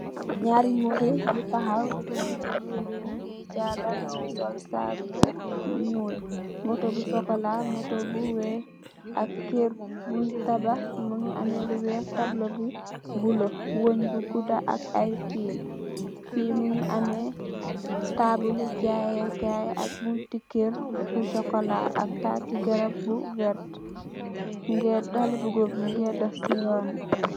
nyari motto yuo tawah xaaly bo goor mu nei gala mu nei sul sak nuul moto bu sokola muto bu weex ak geer bun datba mu nei ham lu weex ak tabla bu bulo weel bu gooda ak nei ne’er fi mu nei amei tabule gaineikei ak buntegeer bu sokola ak tatigaarb bu werty xaaly bu goor mu nei dohe si nuobi